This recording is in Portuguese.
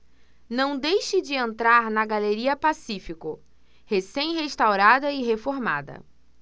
não deixe de entrar na galeria pacífico recém restaurada e reformada